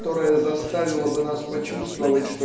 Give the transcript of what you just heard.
которая заставила бы нас почувствовать